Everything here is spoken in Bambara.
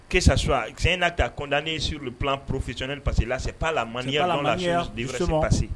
que sa soit, c'est un acte à condamné sur le plan professionnel parceque la c'est pas la manière dont la chose devrait se passer